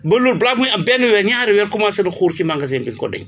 ba loolu balaa muy am benn weer ñaari weer commencé na xur ci magasin bi nga ko denc